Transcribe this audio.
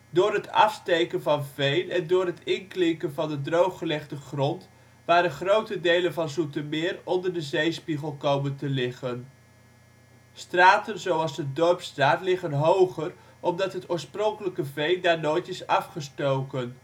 Door het afsteken van veen en door het inklinken van de drooggelegde grond waren grote delen van Zoetermeer onder de zeespiegel komen te liggen. Straten zoals de Dorpsstraat liggen hoger omdat het oorspronkelijke veen daar nooit is afgestoken